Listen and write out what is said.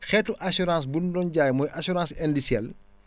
xeetu assurance buñ doon jaay mooy assurance indicelle